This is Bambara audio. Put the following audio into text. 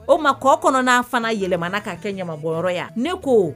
O ma kɔ kɔnɔna'a fana yɛlɛmana k'a kɛ ɲamabɔyɔrɔya ne ko